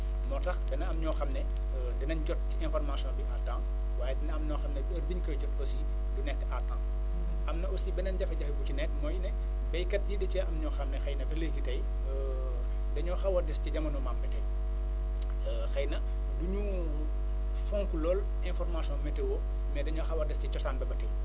moo tax dana am ñoo xam ne dinañ jot ci information bi à temps waaye dina am ñoo xam ne heure bi ñu koy jot aussi du nekk à temps am na aussi beneen jafe-jafe bu ci nekk mooy ne béykat yida cee am ñoo xam ne xëy na ba léegi tey dañoo xaw a des ci jamono maam ba tey xëy na du ñu fonk lool information météo mais dañoo xaw a des ci cosaan bi ba tey